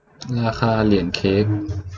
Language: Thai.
ราคาเหรียญเค้ก